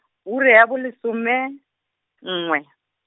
ura ya bolesome, nngwe .